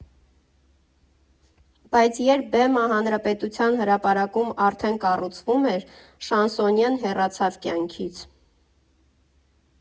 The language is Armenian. Բայց երբ բեմը Հանրապետության հրապարակում արդեն կառուցվում էր, շանսոնյեն հեռացավ կյանքից։